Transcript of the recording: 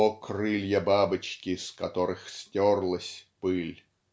О, крылья бабочки, с которых стерлась пыль!.